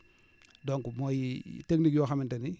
donc mooy techniques yoo xamante ni